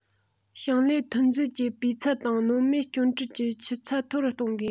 ཞིང ལས ཐོན རྫས ཀྱི སྤུས ཚད དང གནོད མེད སྐྱོན བྲལ གྱི ཆུ ཚད མཐོ རུ གཏོང དགོས